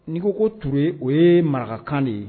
N'i ko ko Toure o ye marakakan de ye